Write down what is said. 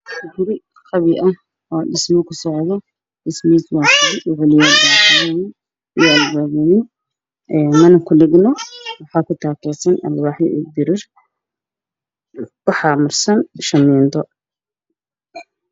Waa guri qabyo ah oo dhismo kusocoto dhismahiisa waxuu yaalaa dhulka waa alwaax, albaab, mana kudhagno waxaa kutaakeysan alwaaxyo iyo birar waxaa marsan shamiito.